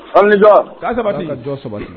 Ami nijɔ sabali ka jɔ sabali